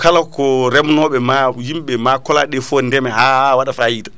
kala ko remnoɓe ma yimɓe ma kolaɗeɗe foof ndeeme ha waɗa fayida